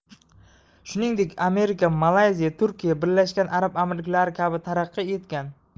shuningdek amerika malayziya turkiya birlashgan arab amirliklari kabi taraqqiy etgan